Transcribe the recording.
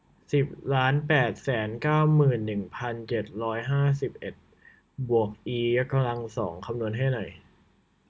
สิบล้านแปดแสนเก้าหมื่นหนึ่งพันเจ็ดร้อยห้าสิบเอ็ดบวกอียกกำลังสองคำนวณให้หน่อย